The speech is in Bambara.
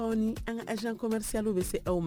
Aw ni an ka azan commerisw bɛ se aw ma